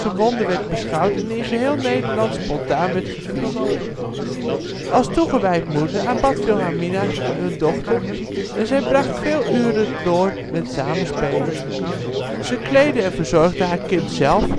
wonder werd beschouwd en in geheel Nederland spontaan werd gevierd. Als toegewijd moeder aanbad Wilhelmina hun dochter en zij bracht veel uren door met samen spelen. Ze kleedde en verzorgde haar kind zelf